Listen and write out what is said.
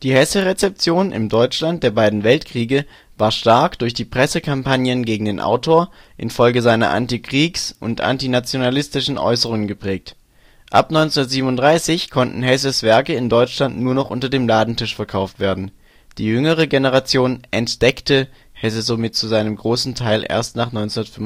Hesse-Rezeption im Deutschland der beiden Weltkriege war stark durch die Pressekampagnen gegen den Autor in Folge seiner Antikriegs - und antinationalistischen Äußerungen geprägt. Ab 1937 konnten Hesses Werke in Deutschland nur noch unter dem Ladentisch verkauft werden. Die jüngere Generation " entdeckte " Hesse somit zu einem großen Teil erst nach 1945